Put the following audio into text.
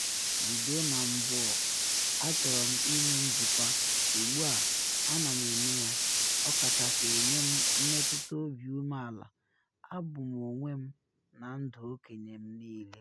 Bido na mbụ achọrọ m ịme njikwa, ugbu a ana m eme ya, ọ kachasị enye m mmetụta obi ume ala, abụ m onwe m na ndụ okenye m niile.”